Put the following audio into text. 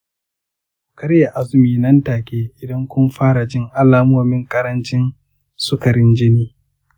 ku karya azumi nan take idan kun fara jin alamomin ƙarancin sukarin jini.